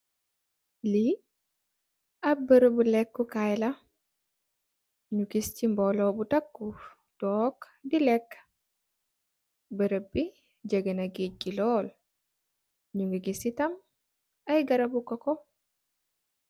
Li ap brembu leku kai la nyu giss si mbolo bu taku tog di leka brembi jegeh na geegi lool ngu gi gis si tam ay garabi coco.